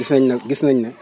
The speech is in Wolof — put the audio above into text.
gis nañ ne gis nañ ne